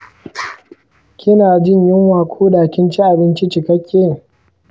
kina jin yunwa ko da kin ci abinci cikakke?